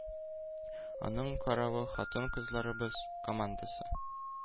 Аның каравы, хатын-кызларыбыз командасы